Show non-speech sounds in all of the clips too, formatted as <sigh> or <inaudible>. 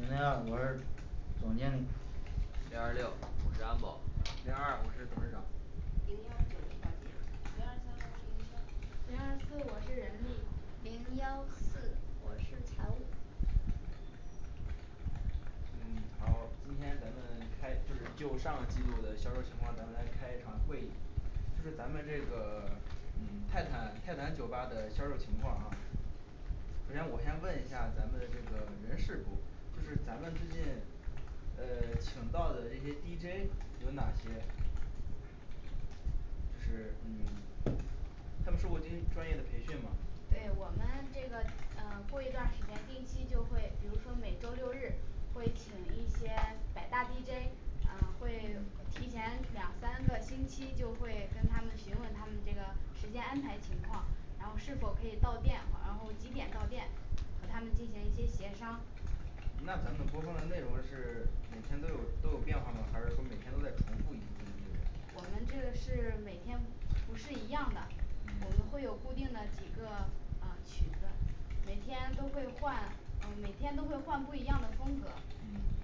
零零二我是总经理零二六我是安保零二二我是董事长零幺九保洁零二三我是营销零二四我是人力零幺四我是财务嗯嗯好今天咱们开就是就上个季度的销售情况咱们来开一场会议就是咱们这个 <silence> 嗯泰坦泰坦酒吧的销售儿情况哈首先我先问一下儿咱们这个人事部就是咱们最近呃 <silence> 请到的这些D J有哪些就是嗯 <silence> 他们受过那些专业的培训吗对我们这个呃过一段时间定期就会比如说每周六日会请一些百大D J呃会嗯提前两三个星期就会跟他们询问他们这个时间安排情况然后是否可以到店，然后几点到店，和他们进行一些协商那咱们播放的内容是每天都有都有变化吗？还是说每天都在重复一部分的内容我们这个是每天不是一样的，我们嗯会有固定的几个呃曲子每天都会换呃每天都会换不一样的风格嗯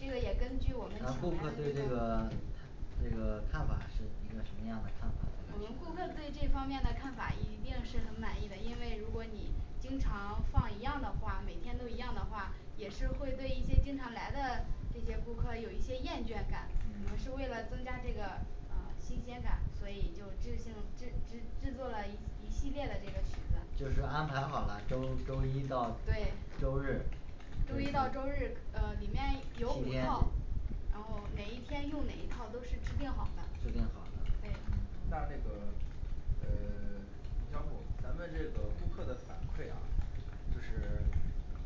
这个也根据我们咱顾请来客的这那个个这个看法是一个什么样的看法我们顾客对这方面的看法一定是很满意的，因为如果你经常放一样的话，每天都一样的话，也是会对一些经常来的这些顾客有一些厌倦感我们嗯是为了增加这个呃新鲜感，所以就制定制制制作了一一系列的这个曲子就是安排好了周周一到对周日周周一到周日日呃里面七有天五是套然后哪一天用哪一套都是制定好的制定好的嗯对那嗯那个呃 <silence> 营销部咱们这个顾客的反馈啊就是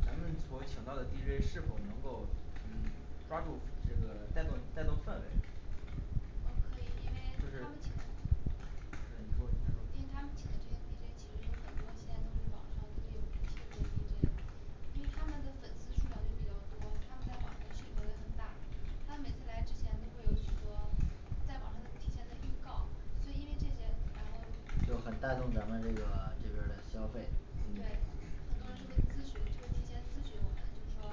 咱们所请到的D J是否能够嗯抓住这个带动带动氛围呃可以因为就是他们请的嗯你说你因为先说他们请的这些D J其实有很多现在都是网上特别有名气的那些D J 因为他们的粉丝数量就比较多，他们在网上的需求也很大他们每次来之前都会有许多在网上提前的预告所以因为这些然后就很带动咱们这个这边儿的消费对嗯很多人就会嗯咨询就会提前咨询我们就是说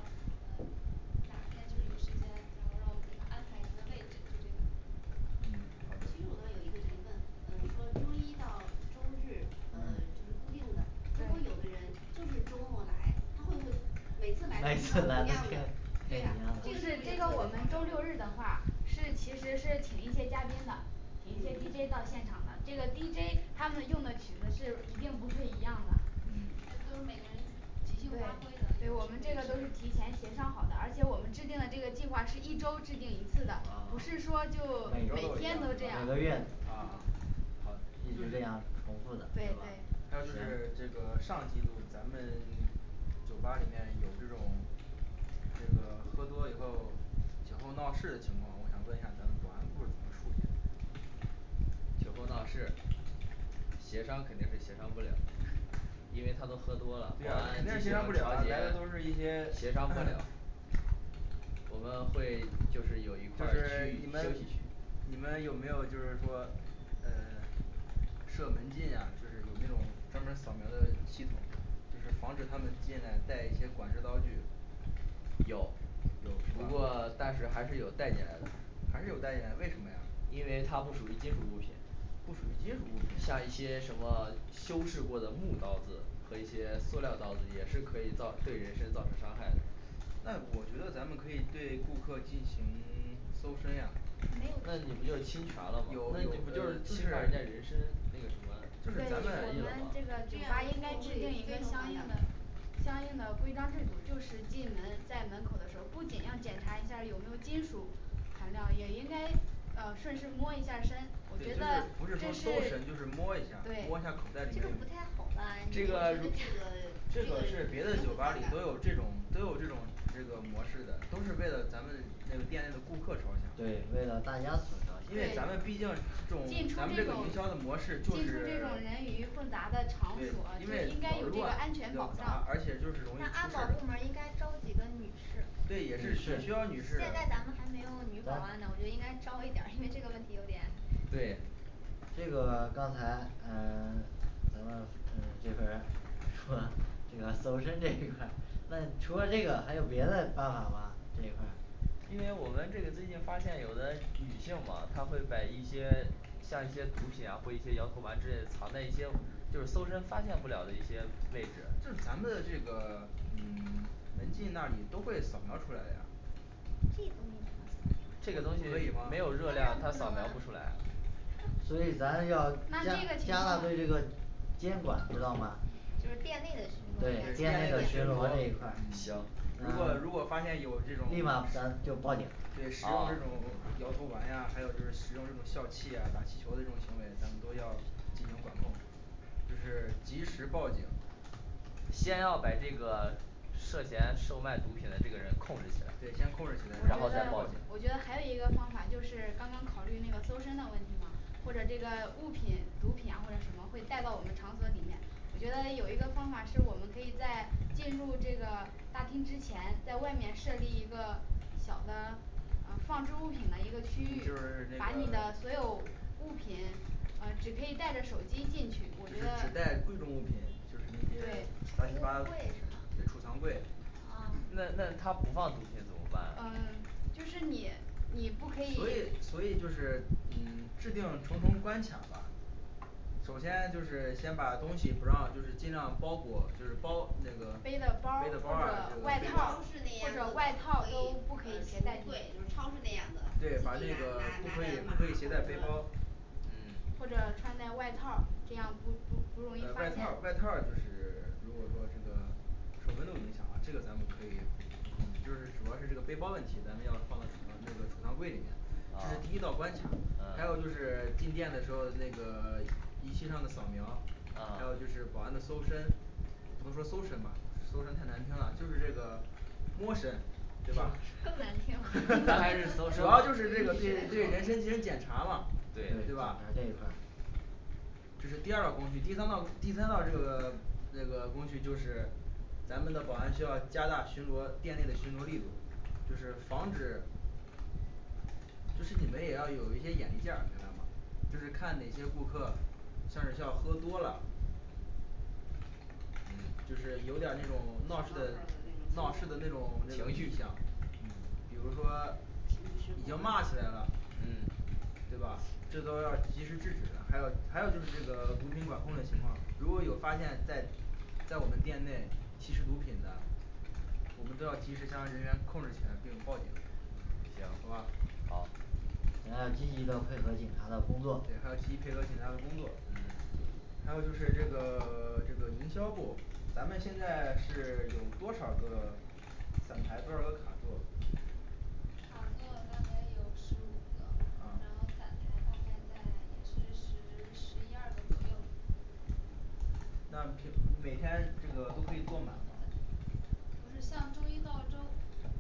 呃 <silence> 哪天就是有时间，然后让我们给他安排一个位置嗯其实好的我倒有一个疑问呃说周一到周日呃嗯就是固定的，如果有对的人就是周末来他会不会每每次次来来都听都到听同样 <noise> 的对吧不是这个我们周六日的话是其实是请一些嘉宾的请一些嗯 D J到现场的这个D J他们用的曲子是一定不会一样的嗯就说每人即兴对发挥的对我们这个都是提前协商好的而且我们制定的这个计划是一周制定一次的不啊是说每周就有每一个是天都这每样个吧月啊啊好一直这样重复对的对还有就是这个上季度咱们 <silence> 酒吧里面有这种 <crosstalk> 那个喝多以后酒后闹事的情况，我想问一下咱们保安部是怎么处理的酒后闹事协商肯定是协商不了因为他都喝多了对啊咱肯定是协进商行不调了，节来的都是一些协商不了我们会就是有一就个是区你域休们息区你们有没有就是说呃 <silence> 设门禁呀就是有那种专门扫描的系统，就是防止他们进来带一些管制刀具有不有是过吧但是还是有带进来的还是有进来为什么呀因为它不属于金属物品不属于金属物品像一些什么修饰过的木刀子和一些塑料刀子，也是可以造对人身造成伤害的那我觉得咱们可以对顾客进行 <silence> 搜身呀那你不就是侵权了吗有有不就是侵犯人家人身那个什么就对是咱们我们这你那个不行对个酒吧应该制定一我个们相这应的个相应的规章制度，就是进门在门口的时候不仅要检查一下儿有没有金属材料也应该呃顺势摸一下身，我觉得啊就是不是说这是搜身就是摸一下儿摸一下这口对袋里面个不太好我这吧觉得这个个如这个是别的酒吧里都有这种都有这种这个模式的都是为了咱们那个店内的顾客着想对为了大家所因着为对想咱们毕竟这种进出咱们这这种种营销的模式进出就是这种人鱼混杂的场对所我觉因为得比应较该有这个乱安那个什全保么障而且就是容易那出安事保儿部门应该招几个女士嗯这对也是需需要女士现的在咱还没有女保安呢我觉得应该招一点，因为这个问题有点对这个刚才呃咱们呃这边儿说这个搜身这一块 <noise> 嗯除了还有别的方法吗？这一块儿因为我们这个最近发现有的女性嘛她会把一些像一些毒品啊或一些摇头丸之类藏在一些就是搜身发现不了的一些位置那咱们的这个嗯 <silence> 门禁那里都会扫描出来的呀这个你扫描不出这个东西不可以吗当没有热量它扫描然不不出可能来所以咱要那这加个情加大况对这个监管知道吗就店内的对巡逻店店内内的的巡巡逻逻这一块嗯行如果啊如果发现有这种立马咱就报警对使用这好种摇头丸呀还有就是使用这种笑气呀打气球的这种行为，咱们都要进行管控就是及时报警，先要把这个涉嫌售卖毒品的这个人控制起来对先控制起来，然后再报警我觉得我觉得还有一个方法就是刚刚考虑那个搜身的问题嘛或者这个物品毒品啊或者什么会带到我们场所里面，我觉得有一个方法是我们可以在进入这个大厅之前在外面设立一个小的呃放置物品的一个就区域是，把那你个的所有物品呃只可以带着手机进去只我觉只得带贵重物品，就是那些对储乱七八物柜是吗对储藏柜呃那那他不放毒品怎么办啊呃就是你你不可以所以所以就是嗯 <silence> 制定重重关卡吧首先就是先把东西不让就是尽量包裹，就是包那个背背的的包包啊这些东西儿像超市那样可以呃储物柜就是或者外背套儿包儿或者外套都不可以携带进去超市那样的拿对把拿那个不可以不可以携拿带背代码包呃嗯或者穿戴外套儿，这样不不不呃容易发外现套儿外套儿就是如果说这个受温度影响啊，这个咱们可以不不控制，就是主要是这个背包问题，咱们要放到储藏这个储藏柜里面这是哦第一道关卡呃还有就是进店的时候儿那个仪器上的扫描还有呃就是保安的搜身不能说搜身吧搜身太难听了，就是这个摸身是对吧更是难听了 <noise> <noise> 主 <noise> 要是对这个人身进行检查嘛对是这一是吧块这是第二道工序第三道第三道这个那个工序就是咱们的保安需要加大巡逻店内的巡逻力度，就是防止就是你们也要有一些眼力劲儿，明白吗？就是看哪些顾客像是像喝多了就是有点儿那种闹事的情绪闹事的那种像这个比嗯如说已经骂起来了嗯对吧？这都要及时制止的还有还有就是这个毒品管控的情况，如果有发现在在我们店内吸食毒品的，我们都要及时先把人员控制起来并报警行好吧好你还要积极的配合警察的工对作还要积极配合警察的工作嗯还有就是这个 <silence> 这个营销部，咱们现在是有多少个散台，多少个卡座？卡座大概有十五个，然后呃散台大概在也是十十一二个左右那平每天这个都可以坐满吗不是像周一到周，呃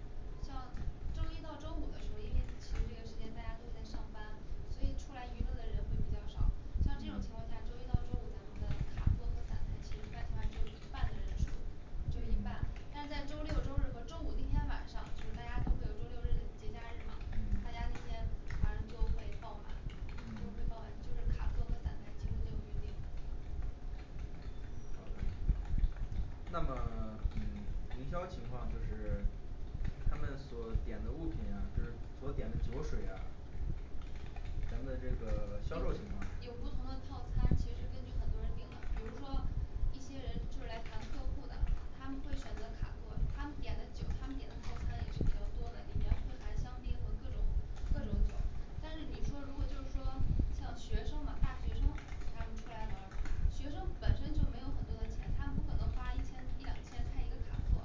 像周一到周五的时候，因为其实这个时间大家都在上班，所以出来娱乐的人会比较少。像这种情嗯况下，周一到周五咱们的卡座和散台其实一般情况下只有一半的人数就是一半嗯，但是在周六周日和周五那天晚上，就是大家都会有周六日的节假日嘛，大家那嗯天反正就会爆满，都嗯是爆满就是卡座和散台几乎都有预定好的那么 <silence> 嗯营销情况就是，他们所点的物品啊就是所点的酒水啊咱们这个销售情况呢有不同的套餐，其实根据很多人定的，比如说一些人就是来谈客户的，他们会选择卡座，他们点的酒他们点的套餐也是比较多的，里面会含香槟和各种各种酒，但是你说如果就是说像学生嘛大学生他们出来玩学生本身就没有很多的钱，他们不可能花一千一两千开一个卡座，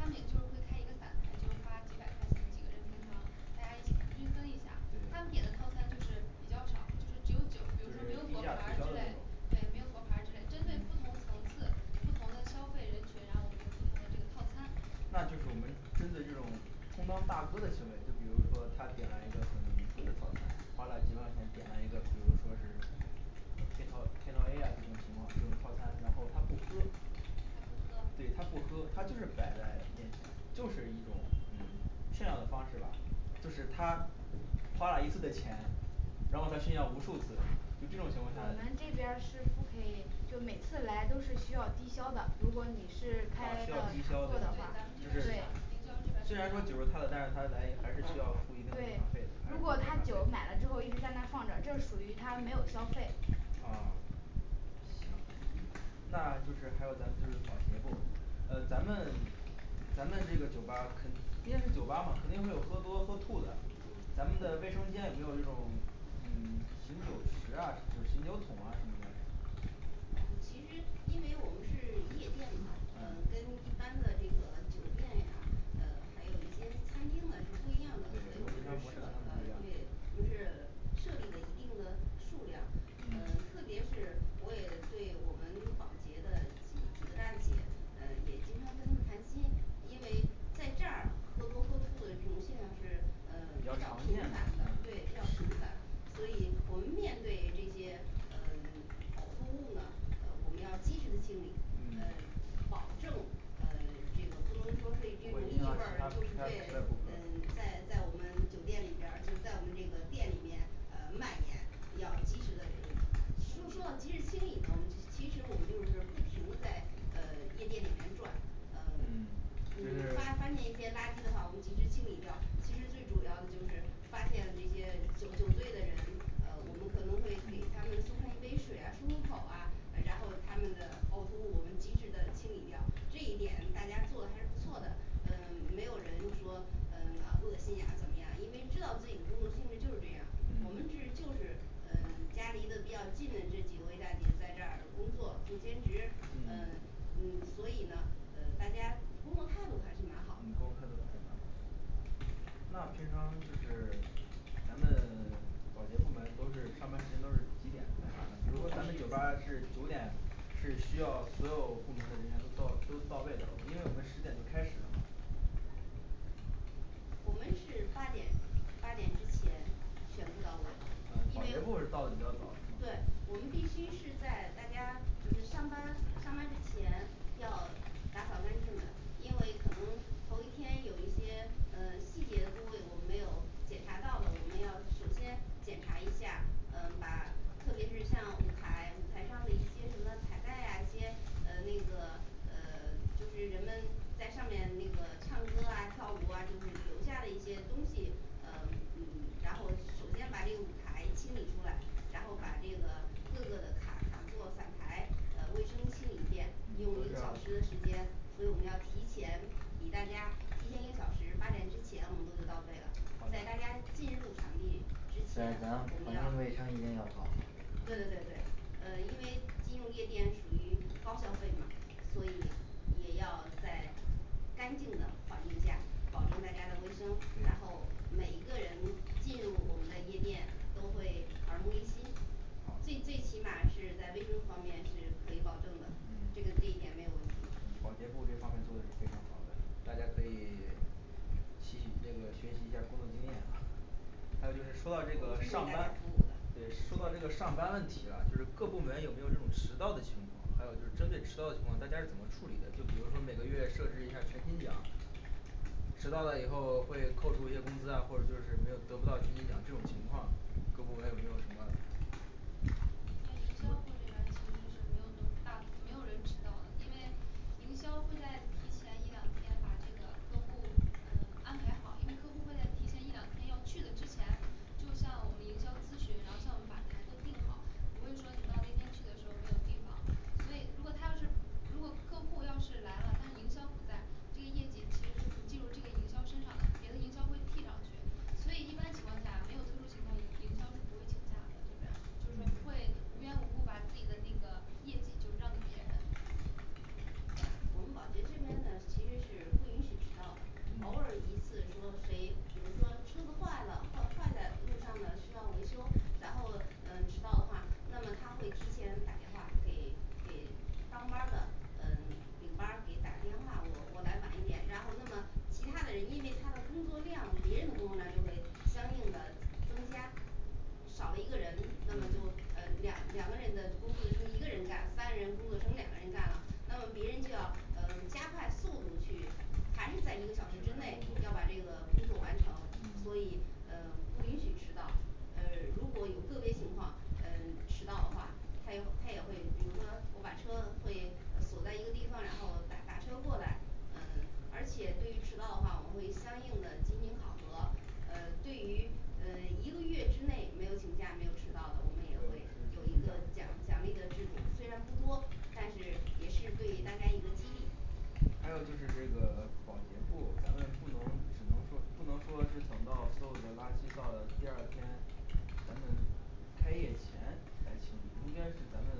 嗯们也就会开一个散台，就花几百块钱几个人，平常大家一起平均分一下儿，他们对点的套餐就是比较少，就是只有就酒，比如说没是有低果价促盘销之的那类种对没有果盘儿之类，针对嗯不同层次不同的消费人群，然后我们有不同的套餐那就是我们针对这种充当大哥的行为就比如说他点了一个很贵的套餐，花了几万块钱点了一个比如说是配套配套A啊这种情况就是套餐，然后他不喝他不喝对他不喝，他就是摆在面前就是一种嗯炫耀的方式吧，就是他花了一次的钱，然后他炫耀无数次就这种情况下我们这边儿是不可以就每次来都是需要低消的，如果你是啊开需那要卡低消座对的的咱们话对对就就是是营对销虽然说酒是他的这边但是他儿来还是需要付一定的进厂对费的如果他还行吧酒买了之后一直在那放着，这属于他没有消费啊 <silence> 行那就是还有咱们就是保洁部，呃咱们咱们这个酒吧肯因为是酒吧嘛肯定会有喝多喝吐的。咱们的卫生间有没有这种嗯 <silence> 醒酒池啊不是醒酒筒什么的其实因为我们是夜店嘛呃跟一般的这个酒店呀，呃还有一些餐厅呢是不一样的对，所营销模式跟以设他们不呃一样对我们是设立了一定的数量。 呃嗯特别是我也对我们保洁的几几个大姐呃也经常跟她们谈心，因为在这儿喝多喝吐这种现象是呃比较常频见繁的的对比嗯较频繁是所以我们面对这些呃呕吐物呢，呃我们要及时的清理，呃嗯保证呃 <silence> 这个不能不说对这种会异影味响儿，到其他其就是他对其他顾客嗯在在我们酒店里面儿就是在我们那个店里面呃蔓延，要及时的。其中说到及时清理呢我，其实我们就是不停的在呃夜店里面转呃嗯你发其实发现一些垃圾的话，我们及时清理掉，其实最主要的就是发现这些酒酒醉的人，呃我们可能会给他们送上一杯水啊漱漱口啊，呃然后他们的呕吐物我们及时的清理掉，这一点大家做得还是不错的呃没有人说嗯啊恶心啊怎么呀，因为知道自己的工作性质就是这样儿，我们只嗯就是呃家离得比较近的这几位大姐在这儿工作做兼职，嗯嗯嗯所以呢呃大家工作态度还是蛮嗯好工的作态度还是蛮好的那平常就是咱们保洁部门都是上班时间都是几点来上班，比如说咱们酒吧是九点是需要所有部门的人员都到都到位的，因为我们十点就开始了嘛我们是八点八点之前全部到呃位因保洁为部是到的比较早是对吗，我们必须是在大家就是上班上班之前要打扫干净的，因为可能头一天有一些呃细节部位，我们没有检查到的，我们要首先检查一下呃把特别是像舞台台上的一些什么彩带啊一些呃那个呃 <silence> 就是人们在上面那个唱歌啊跳舞啊就是留下的一些东西呃嗯然后我首先把这个舞台清理出来然后把这个各个的卡卡座散台呃卫生清理一嗯就遍，用一是个小时的时要间，所以我们要提前比大家提前一个小时，八点之前我们都就到位了在大家进入场地之对咱前们我们环要境卫生一定要搞好对对对对呃因为进入夜店属于高消费嘛，所以也要在干净的环境下保证大家的卫生，然后对每一个人进入我们的夜店都会耳目一新最好最起码是在卫生方面是可以保证的，这嗯个这一点没有问嗯题保洁部这方面做得非常好的，大家可以吸取这个学习一下儿工作经验吧还有就是说到这个上班，对说到这个上班问题啊，就是各部门有没有这种迟到的情况，还有就是针对迟到的情况大家是怎么处理的？就比如说每个月设置一下儿全勤奖迟到了以后会扣除一些工资啊，或者就是没有得不到全勤奖这种情况，各部门有没有什么那营销部这边儿其什么实是没有大部分没有人迟到的，因为营销会在提前一两天把这个客户呃安排好，因为客户会在提前一两天要去的之前，就向我们营销咨询，然后让我们把台都定好不会说等到那天去的时候没有地方所以如果他是如果客户要是来了，但是营销不在，这个业绩其实是不进入这个营销身上的，别的营销会替上去所以一般情况下没有特殊情况，就是营销是不会请假的就是说嗯不会无缘无故把自己的那个业绩就是让给别人的我们保洁这边呢其实不允许迟到的偶尔一次说谁比如说车子坏了坏坏在路上了需要维修，然后呃迟到的话，那么他会提前打电话给给当班儿的呃领领班儿给打电话，我我来晚一点，然后那么其他的人因为他的工作量，别人的工作量就会相应的增加少了一个人，那么就嗯呃两两个人的工作就是一个人干三人工作成两个人干了那么别人就要呃加快速度去还是在一个其小它时之内要把这工作个工作完成，嗯所以呃不允许迟到呃如果有个别情况呃迟到的话，他也他也会比如说我把车会锁在一个地方，然后打打车过来呃而且对于迟到的话，我们会相应的进行考核，呃对于呃一个月之内没有请假没有迟到的，我们也会有一个奖奖励的制度，虽然不多，但是也是对大家一个激励还有就是这个保洁部，咱们不能只能说不能说是等到所有的垃圾到了第二天，咱们开业前来清理，应该是咱们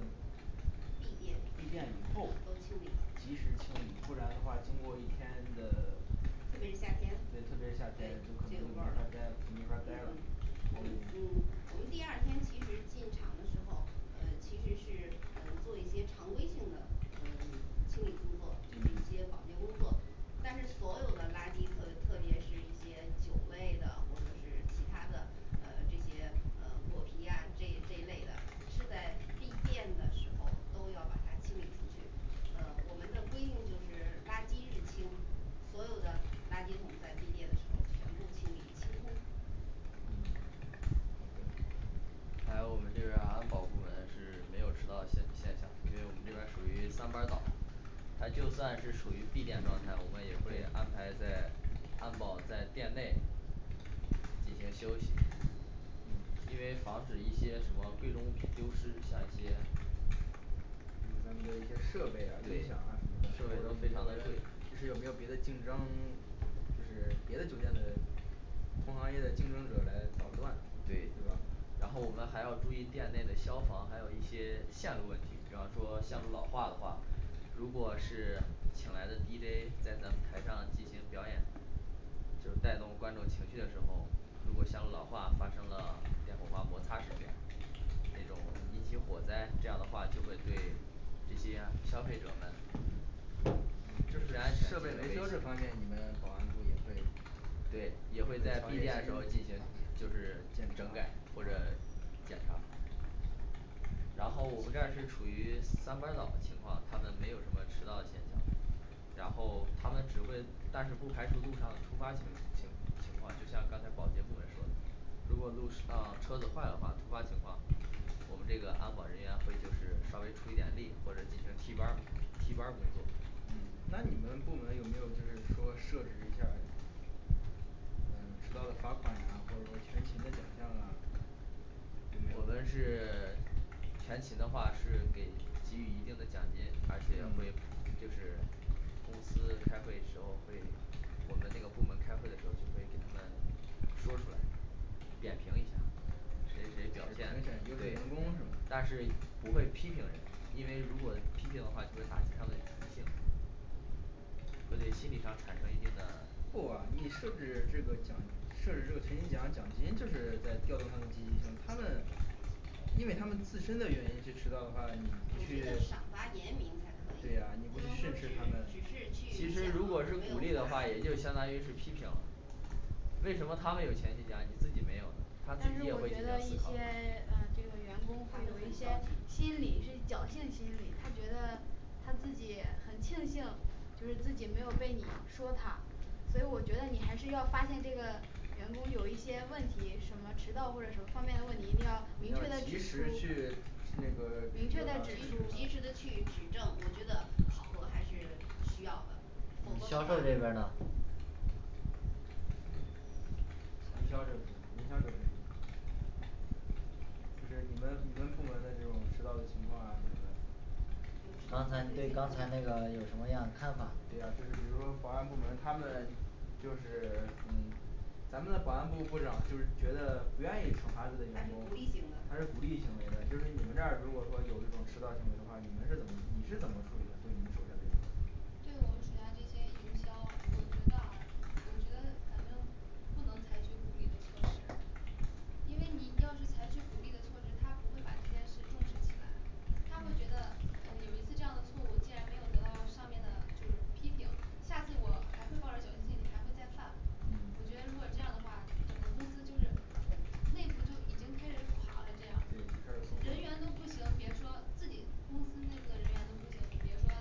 闭店闭店以后都清理了及时清理，不然的话经过一天的特别是夏天对特别是夏对天就可就能有就没味儿法了呆了就没嗯法呆了嗯对我对们对嗯我们第二天其实进场的时候，呃其实是呃做一些常规性的呃 <silence> 清理工作，就是一嗯些保洁工作但是所有的垃圾，特特别是一些酒类的，或者是其它的呃这些呃果皮呀这这一类的，是在闭店的时候都要把它清理出去，呃我们的规定就是垃圾日清所有的垃圾桶在闭店的时候全部清理清空嗯好的行还有我们这边儿安保部门是没有迟到的现现象，因为我们这边儿属于三班儿倒它就算是属于闭店状态，我们也会安排在安保在店内进行休息嗯因为防止一些什么贵重物品丢失像一些比如那些一些设备啊音响呀对什设么备的平常在其实有没有别的竞争，就是别的酒店的同行业的竞争者来捣乱，是对吧然后我们还要注意店内的消防还有一些线路问题，比方说线路老化的话，如果是请来的D J在咱们台上进行表演就是带动观众情绪的时候如果线路老化发生了电火花摩擦事件那种引起嗯火灾，这样的话就会对这些消费者们嗯就就是是安设备维全修这方面，你们保安部也会对，也会在闭店的时候儿进行就是检整查改或者检查然后我们这儿是处于三班儿倒的情况，他们没有什么迟到现象，然后他们只会但是不排除路上突发情情情况，就像刚才保洁部门说的如果路上嗯车子坏了话，突发情况，我们这个安保人员会就是稍微出一点力或者进行替班儿替班儿工作那你们部门有没有就是说设置一下儿呃迟到的罚款呀或者说全勤的奖项啊有我没们有是 <silence> 全勤的话是给给予一定的奖金，而且嗯会就是公司开会时候会我们那个部门开会的时候就会跟他们说出来点评一下儿。 谁评选谁谁表现优秀对员工是吗？但是不会批评人，因为如果批评的话就会打击他们的积极性会对心理上产生一定的不啊你设置这个奖设置这个全勤奖奖金就是在调动他们积极性他们因为他们自身的原因去迟到的话你不我去觉得赏罚严明才可对以啊，你，不不去能说训只斥他们其只实是如果是去鼓奖没励的有罚话也就相当于是批评了为什么他们有全勤奖你自己没有他毕但竟是表我觉现得一不好些 <silence> 呃这个员他工会有一会些心理是侥幸心理，他觉得他自己很庆幸就是自己没有被你说他，所以我觉得你还是要发现这个员工有一些问题，什么迟到或者什么方面的问题，一定要明确要的及指出时去那个指明出确的他制指出及止时他的去指正我觉得考核还是需要的嗯否则销售这的边话呢营销这边营销这部分就是你们你们部门的这种迟到的情况啊怎么的刚才你对刚才那个有什么样的看法对呀，比如说保安部门它们就是嗯咱们的保安部部长就是觉得不愿意惩罚自他己是的员工鼓，励型的他是鼓励行为的，就是你们这儿如果说有这种迟到行为的话你们是怎么你是怎么处理的？对你手下的员工对我们手下那些营销，我觉得啊我觉得反正不能采取鼓励的措施因为你要是采取鼓励的措施，他不会把这件事重视起来他会觉嗯得呃有一次这样的错误，既然没有得到上面的就是批评，下次我还会抱着侥幸心理还会再犯我嗯觉得如果这样的话，整个公司就是呃内部就已经开始垮了这样对开始人员都不行，别说自己公司内部的人员都不行，你别说